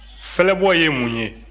fɛlɛbɔ ye mun ye